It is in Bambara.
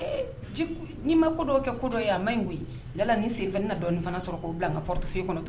Nii ma ko dɔ kɛ kodɔn ye a ma in koyi la ni sen ka dɔɔnin fana sɔrɔ k'o bila n ka ptoyee kɔnɔ